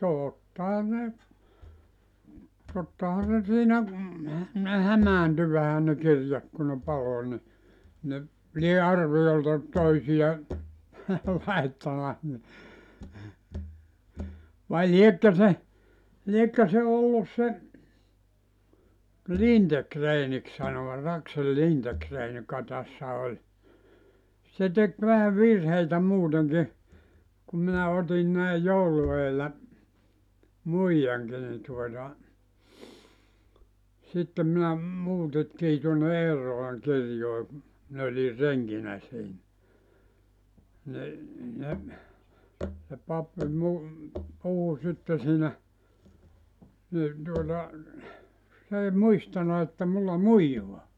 tottahan ne tottahan se siinä ne hämääntyi vähän ne kirjat kun ne paloi niin ne lie arviolta toisia laittanut niin vai liekö se liekö se ollut se Lindegrenin sanovat Aksel Lindegren joka tässä oli se teki vähän virheitä muutenkin kun minä otin näin joulun edellä muijankin niin tuota sitten minä muutettiin tuonne Eerolan kirjoihin minä olin renkinä siinä niin ne se pappi - puhui sitten siinä niin tuota se ei muistanut että minulla muijaa